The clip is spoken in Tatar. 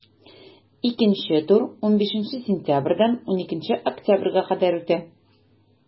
Икенче тур 15 сентябрьдән 12 октябрьгә кадәр үтә.